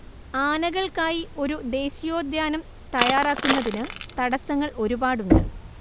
ആനകൾക്കായി ഒരു ദേശീയോദ്യാനം തയ്യാറാക്കുന്നതിന് തടസ്സങ്ങൾ ഒരുപാടുണ്ട്